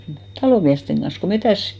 talon miesten kanssa kun metsässä